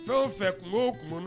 Fɛn o fɛn, kunko o kunko.